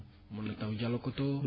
mën na taw Dialokoto